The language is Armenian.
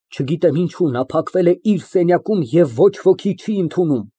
Չգիտեմ ինչու, նա փակվել է իր սենյակում և ոչ ոքի չի ընդունում։